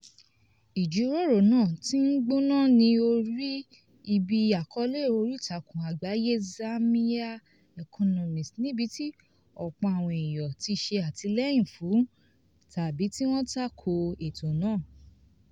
Ìjíròrò náà ti ń gbóná ní orí ibi àkọọ́lẹ̀ oríìtakùn àgbáyé Zambia Economist níbi tí ọ̀pọ̀ àwọn èèyàn ti ṣe àtìlẹ́yìn fún tàbí tí wọ́n tako ètò náà.